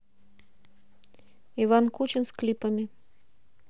иван кучин с клипами